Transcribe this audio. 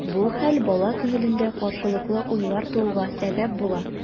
Бу хәл бала күңелендә каршылыклы уйлар тууга сәбәп була.